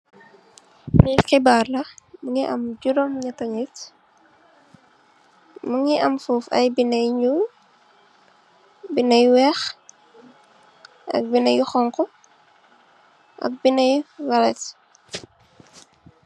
Le xibaar la mingi am jirom neti nit mingi am fo ayi bind nuul bind yu weex bind yu xongo ak bind yu yollet.